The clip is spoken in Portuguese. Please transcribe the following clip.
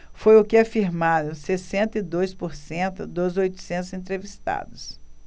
foi o que afirmaram sessenta e dois por cento dos oitocentos entrevistados